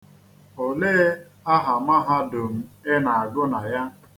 Olee aha mahadum ị na-agụ na ya?